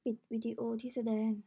ปิดวิดีโอที่แสดง